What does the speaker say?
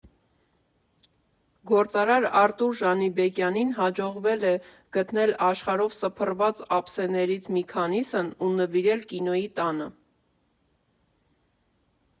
Գործարար Արթուր Ջանիբեկյանին հաջողվել է գտնել աշխարհով սփռված ափսեներից մի քանիսն ու նվիրել Կինոյի տանը։